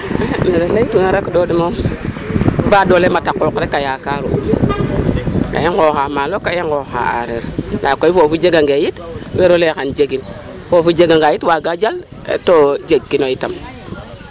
I ne nu laytuna rek de baadoola moom a qooq rek a yakaru ka i nqooxaa maalo ga i nqooxaa a aareer ndaa koy foofi jegangee it weero lay xam jegin foofi jeganga it waaga jal to jegkino itam.